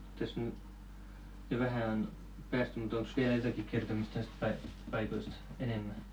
tässä nyt jo vähän on päästy mutta onkos vielä jotakin kertomista noista paikoista enemmän